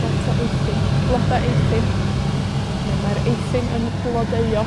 Lot o Eithin, bloda Eithin, ne' ma'r Eithin yn blodeuo.